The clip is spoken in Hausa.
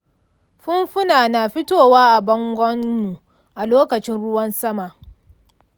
fumfuna na fitowa a bangonmu a lokacin ruwan sama.